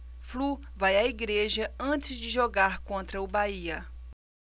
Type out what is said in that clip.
flu vai à igreja antes de jogar contra o bahia